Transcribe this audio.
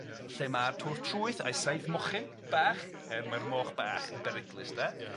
Ia. Lle ma'r twrch trwyth a'i saith mochyn bach, yy mae'r moch bach yn beryglus de. Ia.